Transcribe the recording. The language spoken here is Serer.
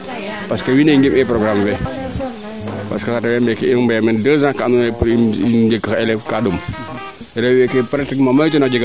parce que wiin we ngim ee programme fee parce que saate fee meeke i mbiya meen deux ans kaa ando naye nje xa eleve kaa ɗom rew weeke pratiquement mayu teen